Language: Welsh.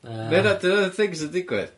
Yy. Medda dy... Thing sy'n digwydd?